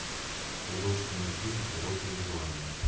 художественный фильм уроки выживания